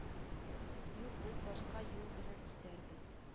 Юк без башка юл белән китәрбез